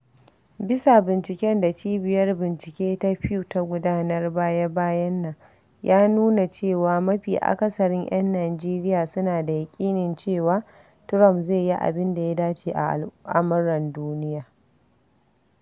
Bisa binciken da Cibiyar Bincike ta Pew ta gudanar baya-bayan nan ya nuna cewa, mafi akasarin 'yan Nijeriya 'suna da yaƙinin cewa, Trump zai yi abin da ya dace a al'amuran duniya'.